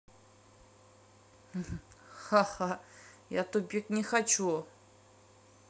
ха ха я тупик не хочу